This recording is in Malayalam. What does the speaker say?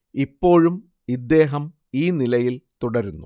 ഇപ്പോഴും ഇദ്ദേഹം ഈ നിലയില്‍ തുടരുന്നു